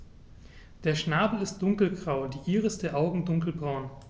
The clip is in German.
Der Schnabel ist dunkelgrau, die Iris der Augen dunkelbraun.